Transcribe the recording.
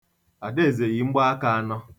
Adaeze yi mgbaaka anọ.̣